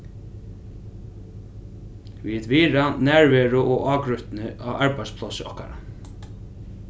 vit virða nærveru og ágrýtni á arbeiðsplássi okkara